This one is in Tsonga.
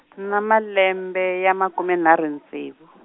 ni na malembe ya makume nharhu ntsevu.